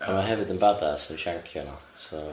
Ma' fe hefyd yn badass yn tsiancio nhw so.